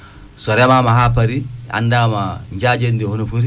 so remaama haa pari anndama njaajeendi ndii hono fori